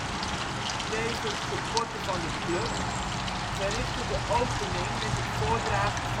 tevens supporter van de club, verrichtte de opening met het voordragen